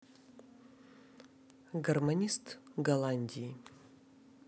гармонист голландии